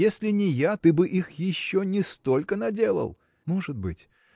если б не я, ты бы их еще не столько наделал! – Может быть.